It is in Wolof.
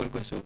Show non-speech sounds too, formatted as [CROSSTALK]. [HESITATION] [HESITATION]